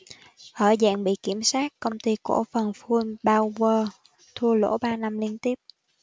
ở dạng bị kiểm soát công ty cổ phần full power thua lỗ ba năm liên tiếp